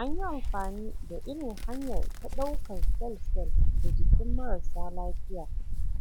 An yi amfani da irin hanyar ta ɗaukan sel-sel da jikin marassa lafiya